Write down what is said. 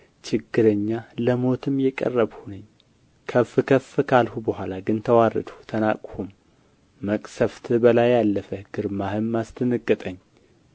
ችግረኛ ለሞትም የቀረብሁ ነኝ ከፍ ከፍ ካልሁ በኋላ ግን ተዋረድሁ ተናቅሁም መቅሠፍትህ በላዬ አለፈ ግርማህም አስደነገጠኝ